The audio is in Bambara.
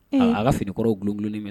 An ka fini kɔrɔw bulonkolon mɛn